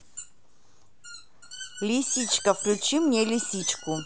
лисичка включи мне лисичку